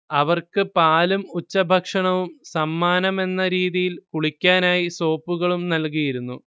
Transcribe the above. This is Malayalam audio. അവർക്ക് പാലും ഉച്ചഭക്ഷണവും സമ്മാനമെന്ന രീതിയിൽ കുളിക്കാനായി സോപ്പുകളും നൽകിയിരുന്നു